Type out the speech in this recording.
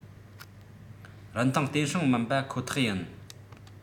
རིན ཐང བརྟན སྲུང མིན པ ཁོ ཐག ཡིན